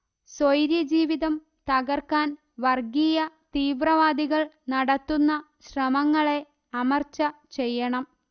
സ്വൈര ജീവിതം തകര്ക്കാൻ വർഗീയ തീവ്രവാദികൾ നടത്തുന്ന ശ്രമങ്ങളെ അമർച്ചചെയ്യണം